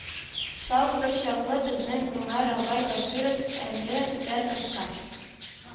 Сау тор чаклы, безнең гомәр агай бәширов , әле дә тырыша,